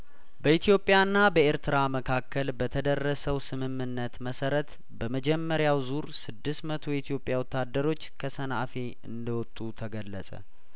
በኢትዮጵያ ና በኤርትራ መካከል በተደረሰው ስምምነት መሰረት በመጀመሪያው ዙር ስድስት መቶ የኢትዮጵያ ወታደሮች ከሰንአፌ እንደወጡ ተገለጸ